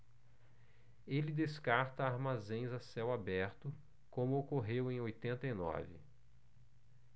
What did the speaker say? ele descarta armazéns a céu aberto como ocorreu em oitenta e nove